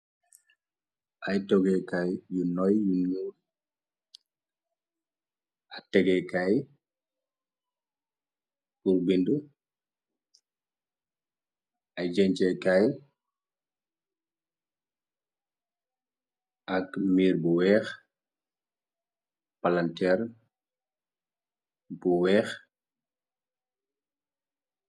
ay togekaay yu noy yu nuur ak tegeekaay buk bind ay jencekaay ak mbiir bu weex palanteer bu weex